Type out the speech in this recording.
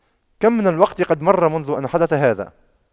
كم من الوقت قد مر منذ أن حدث هذا